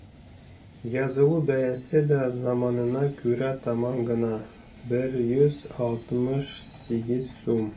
Язылу бәясе дә заманына күрә таман гына: 168 сум.